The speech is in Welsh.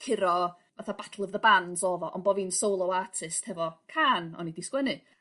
curo fatha battle of the bands odd o ond bo' fi'n solo artist hefo cân o'n i 'di sgwennu.